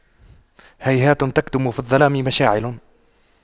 هيهات تكتم في الظلام مشاعل